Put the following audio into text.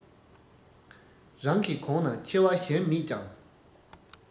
རང གི གོང ན ཆེ བ གཞན མེད ཀྱང